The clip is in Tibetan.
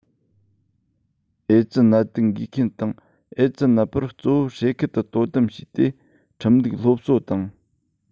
ཨེ ཙི ནད དུག འགོས མཁན དང ཨེ ཙི ནད པར གཙོ བོ ཧྲེ ཁུལ དུ དོ དམ བྱས ཏེ ཁྲིམས ལུགས སློབ གསོ དང